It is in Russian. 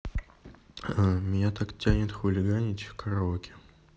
меня так тянет хулиганить караоке